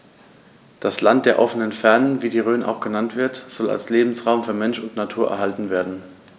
Das „Land der offenen Fernen“, wie die Rhön auch genannt wird, soll als Lebensraum für Mensch und Natur erhalten werden.